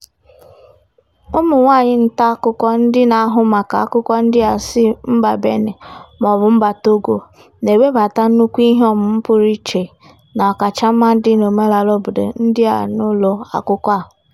Ụmụ nwaanyị nta akụkọ ndị na-ahụ maka akụkọ ndị a si mba Benin ma ọ bụ mba Togo, na-ewebata nnukwu ihe ọmụma pụrụ iche na ọkachamma dị n'omenaala obodo ndị a n'ụlọ akụkọ a.